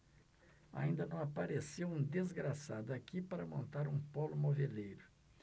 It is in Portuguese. ainda não apareceu um desgraçado aqui para montar um pólo moveleiro